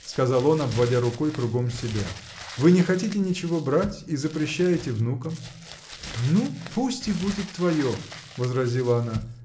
— сказал он, обводя рукой кругом себя, — вы не хотите ничего брать и запрещаете внукам. — Ну пусть и будет твое! — возразила она.